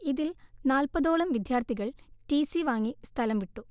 ഇതിൽ നാല്പതോളം വിദ്യാർത്ഥികൾ ടി സി വാങ്ങി സ്ഥലം വിട്ടു